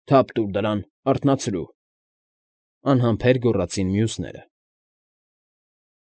Թափ տուր դրան, արթնացրու…֊ անհամբեր գոռացին մյուսները։